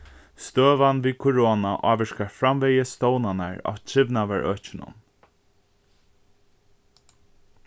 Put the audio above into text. støðan við korona ávirkar framvegis stovnarnar á trivnaðarøkinum